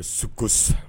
Su ko sa